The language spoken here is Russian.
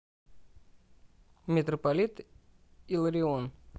митрополит илларион